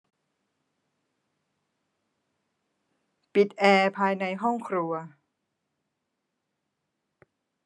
ปิดแอร์ภายในห้องครัว